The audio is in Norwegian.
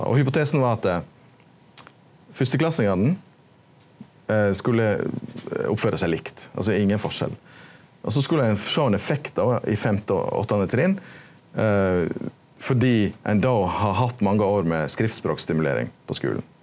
og hypotesen var at fyrsteklassingane skulle oppføre seg likt altso ingen forskjell og so skulle ein sjå ein effekt då i femte og åttande trinn fordi ein då har hatt mange år med skriftspråkstimulering på skulen.